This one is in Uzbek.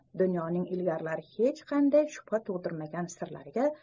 dunyoning ilgari hech qanday shubha tug'dirmagan sirlariga